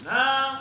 Naam